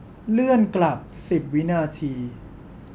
เลื่อนกลับสิบวินาที